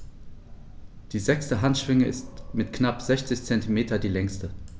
Die sechste Handschwinge ist mit knapp 60 cm die längste.